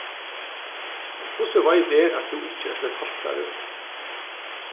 hvussu veit eg at tú ikki ert ein falsari